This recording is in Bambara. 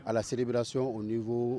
Ala se bɛra sɔn o ni fɔ